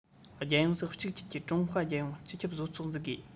རྒྱལ ཡོངས སུ གཅིག གྱུར གྱི ཀྲུང ཧྭ རྒྱལ ཡོངས སྤྱི ཁྱབ བཟོ ཚོགས འཛུགས དགོས